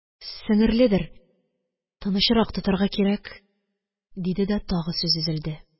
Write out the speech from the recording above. – сеңерледер, тынычрак тотарга кирәк! – диде дә, тагы сүз өзелде.